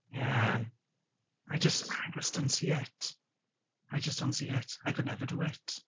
Yeah I just I just don't see it. I just don't see it. I could never do it.